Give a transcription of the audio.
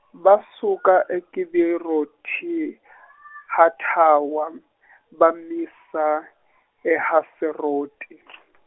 basuka eKibiroti Hathawa bamisa eHaseroti .